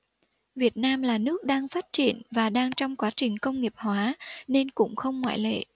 việt nam là nước đang phát triển và đang trong quá trình công nghiệp hóa nên cũng không ngoại lệ